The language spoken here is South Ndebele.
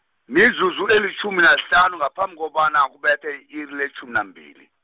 mizuzu elitjhumi nahlanu ngaphambi kobana kubethe i-iri letjhumi nambili.